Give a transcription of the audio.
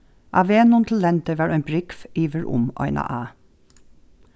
á vegnum til lendið var ein brúgv yvir um eina á